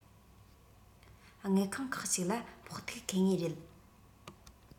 དངུལ ཁང ཁག གཅིག ལ ཕོག ཐུག ཁེལ ངེས རེད